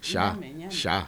Saɔ shɔ